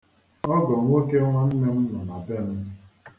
Ọgọ nwoke nwanne m nọ na be m.